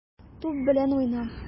Туп белән уйна.